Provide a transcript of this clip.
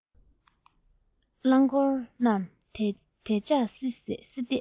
རླངས འཁོར རྣམས དལ འཇགས སེ བསྡད